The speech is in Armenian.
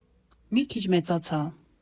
Մի քիչ մեծացա։